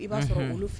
I b'a sɔrɔ